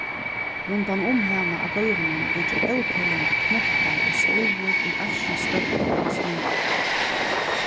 rundanum hana á gólvinum liggja óteljandi knøttar og skrúvur í alskyns støddum og sniðum